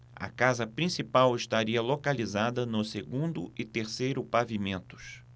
a casa principal estaria localizada no segundo e terceiro pavimentos